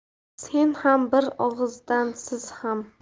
sen ham bir og'izdan siz ham